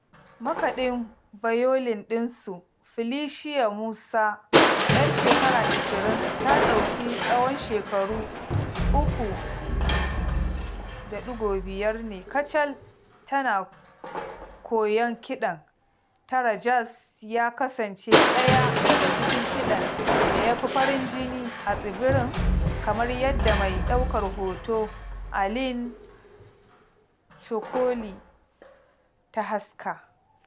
Makaɗin bayolin ɗin su, Felicia Mussa 'yar shekara 20 ta ɗauki tsahon shekaru 3.5 ne kacal tana koyon kiɗan. TaraJazz ya kasance ɗaya daga cikin kiɗan da ya fi farin jini a tsibirin, kamar yadda mai ɗaukar hoto Alline Coƙuelle ta haska: